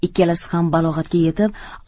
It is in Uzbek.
ikkalasi ham balog'atga yetib